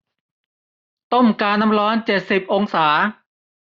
ต้มกาน้ำร้อนเจ็ดสิบองศา